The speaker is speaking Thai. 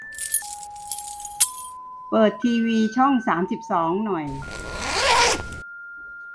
เปิดทีวีช่องสามสิบสองหน่อย